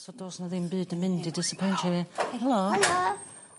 ...so do's 'na ddim byd yn mynd i disapointio fi. Helo. Helo